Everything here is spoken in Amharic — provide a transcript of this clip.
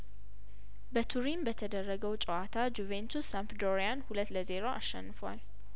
በቱሪን በተደረገው ጨዋታ ጁቬንቱስ ሳምፕዶሪያን ሁለት ለዜሮ አሸንፏል